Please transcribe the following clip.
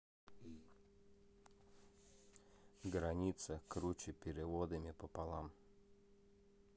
граница круче переводами пополам